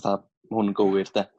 atha ma' hwn y gywir 'de